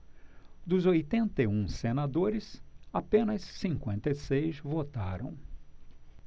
dos oitenta e um senadores apenas cinquenta e seis votaram